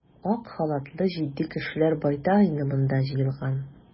Ак халатлы җитди кешеләр байтак инде монда җыелган.